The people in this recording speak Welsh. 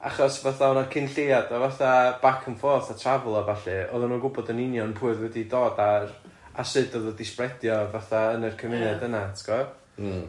achos fatha o'na cyn lleiad o fatha back and forth a trafelo a ballu oedden nhw'n gwbod yn union pwy oedd wedi dod ar a sut oedd o wedi spreadio fatha yn yr cymuned yna ti'bod? M-hm.